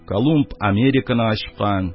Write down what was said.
Колумб Американы ачкан,